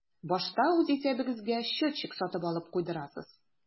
Башта үз исәбегезгә счетчик сатып алып куйдырасыз.